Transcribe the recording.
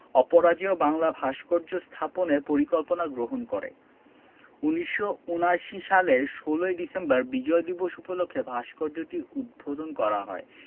অপরাজেয় বাংলা ভাস্কর্য স্থাপনের পরিকল্পনা গ্রহণ করে ১৯৭৯ সালের ১৬ ডিসেম্বর বিজয় দিবস উপলক্ষে ভাস্কর্যটি উদ্বোধন করা হয়